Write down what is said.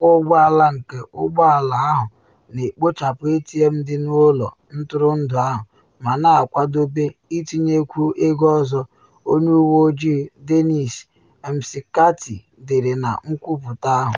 Ọkwọ ụgbọ ala nke ụgbọ ala ahụ na ekpochapụ ATM dị n’ụlọ ntụrụndụ ahụ ma na akwadobe itinyekwu ego ọzọ, Onye Uwe Ojii. Dennis McCarthy dere na nkwupute ahụ.